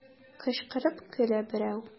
Кычкырып көлә берәү.